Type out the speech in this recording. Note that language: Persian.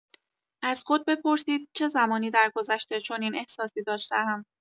از خود بپرسید، چه زمانی درگذشته چنین احساسی داشته‌ام؟